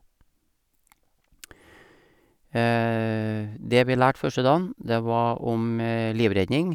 Det vi lærte første dagen, det var om livredning.